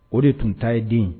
O de tun ta ye den